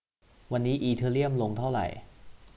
วันนี้อีเธอเรียมลงเท่าไหร่